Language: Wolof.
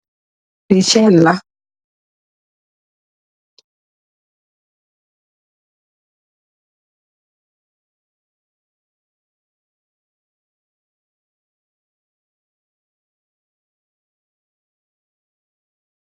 Lii cheen la